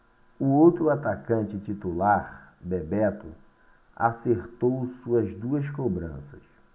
o outro atacante titular bebeto acertou suas duas cobranças